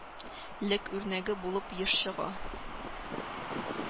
Лек үрнәге булып еш чыгыш